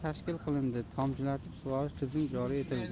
tashkil qilindi tomchilatib sug'orish tizimi joriy etildi